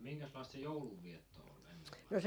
minkäslaista se joulunvietto oli ennen vanhaan